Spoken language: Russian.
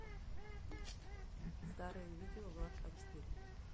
старые видео влад а четыре